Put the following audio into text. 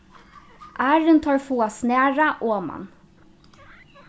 áðrenn teir fáa snarað oman